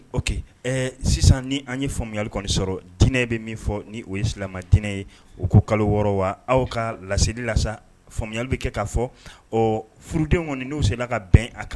Sisan ni anmuyali kɔni sɔrɔ dinɛ bɛ min fɔ ni o ye silamɛdinɛ ye uu kalo wɔɔrɔ wa aw ka laeli la fmuyali bɛ kɛ k ka fɔ furudenw kɔni n' serala ka bɛn a kan